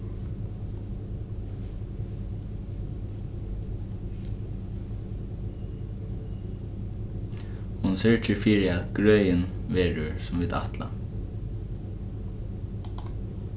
hon syrgir fyri at grøðin verður sum vit ætla